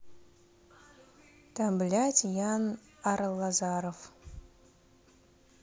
та блядь ян арлазоров